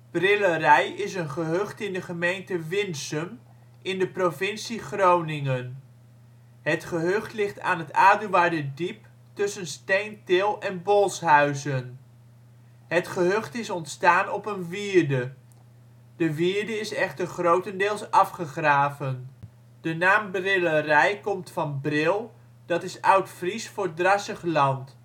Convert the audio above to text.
Brillerij is een gehucht in de gemeente Winsum in de provincie Groningen. Het gehucht ligt aan het Aduarderdiep tussen Steentil en Bolshuizen. Het gehucht is ontstaan op een wierde. De wierde is echter grotendeels afgegraven. De naam Brillerij komt van Bril dat is Oudfries voor drassig land